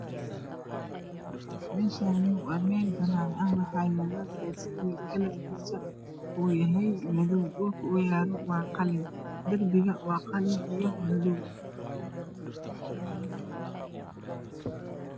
Meshaani waa meel banan ah waxa yaalo baskiil kalarkiisu uu yahay madow dhulka uu yalo waa qalin darbiga waa qalin iyo madow